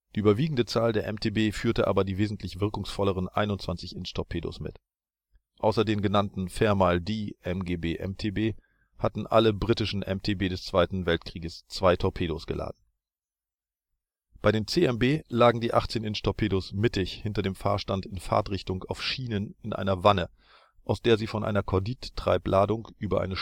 überwiegende Zahl der MTB führte aber die wesentlich wirkungsvolleren 21 Inch Torpedos mit. Außer den genannten Fairmile ' D ' MGB/MTB, hatten alle britische MTB des Zweiten Weltkrieges zwei Torpedos geladen. Bei den CMB lagen die 18 Inch Torpedos mittig hinter dem Fahrstand in Fahrtrichtung auf Schienen in einer Wanne, aus der sie von einer Kordittreibladung über eine